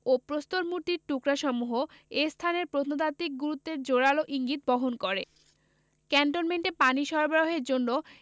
ও প্রস্তর মূর্তির টুকরাসমূহ এ স্থানের প্রত্নতাত্ত্বিক গুরুত্বের জোরাল ইঙ্গিত বহন করে ক্যান্টনমেন্টে পানি সরবরাহের জন্য